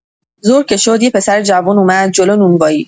ظهر که شد، یه پسر جوون اومد جلو نونوایی.